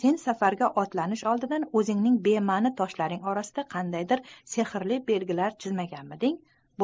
sen safarga otlanish oldidan o'zingning bemani toshlaring orasida qandaydir sehrli belgilar chizganmiding